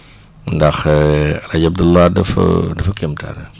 ndax El Hadj Abdalah dafa dafa kéemtaane